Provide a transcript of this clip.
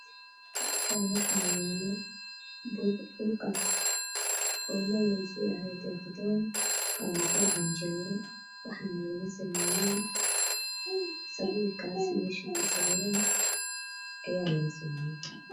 Waxaa ii muuqda laba kartoon oo ku jiraan iyo bal oo sabool leh background garoonka waa caddaan